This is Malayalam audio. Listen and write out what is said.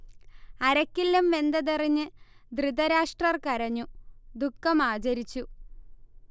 അരക്കില്ലം വെന്തതറിഞ്ഞ് ധൃതരാഷ്ട്രർ കരഞ്ഞു; ദുഃഖം ആചരിച്ചു